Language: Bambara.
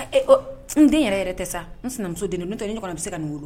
E o n den yɛrɛ yɛrɛ tɛ sa n sinamuso den don nɔntɛ ni ɲɔgɔna bɛ se ka nin wolo